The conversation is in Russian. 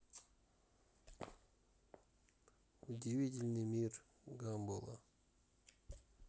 удивительный мир гамбола